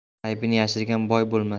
aybini yashirgan boy bo'lmas